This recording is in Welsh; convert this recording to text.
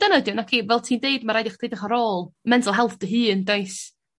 dyna 'di o nacdi? Fel ti'n deud ma' raid i chdi edrych ar ôl mental health dy hun does?